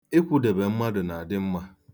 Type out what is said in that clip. Ịkwudebe mmadụ na-adị mma.